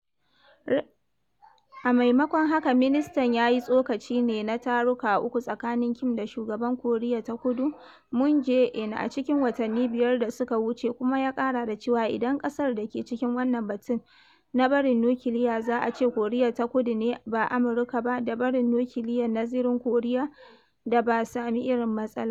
A maimakon haka ministan ya yi tsokaci ne na taruka uku tsakanin Kim da shugaban Koriya ta Kudu Moon Jae-in a cikin watanni biyar da suka wuce kuma ya ƙara da cewa: “Idan kasar da ke cikin wannan batun na barin nukiliya za a ce Koriya ta Kudu ne ba Amurka ba da barin nukiliyar na zirin Koriya da ba sami irin matsalar ba.”